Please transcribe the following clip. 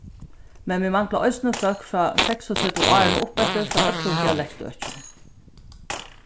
men vit mangla eisini fólk frá seksogtretivu árum og uppeftir frá øllum dialektøkjum